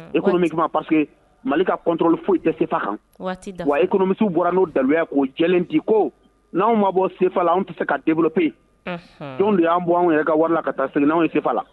E min parcese mali ka kɔntɔli foyi cɛfa kan wa emuso bɔra n'o daluya'o jɛ di ko n' anw ma bɔ senfa la an tɛ se ka den bolo pe don de y' bɔ anw yɛrɛ ka wari la ka taa segin' anw ye senfa la